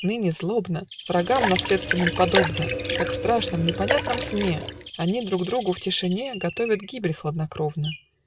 Ныне злобно, Врагам наследственным подобно, Как в страшном, непонятном сне, Они друг другу в тишине Готовят гибель хладнокровно.